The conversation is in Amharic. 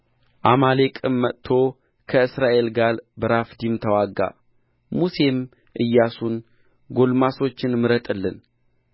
አማሌቅም መጥቶ ከእስራኤል ጋር በራፊድም ተዋጋ ሙሴም ኢያሱን ጕልማሶችን ምረጥልን